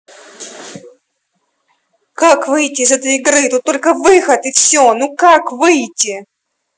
как выйти из этой игры тут только выход и все ну как выйти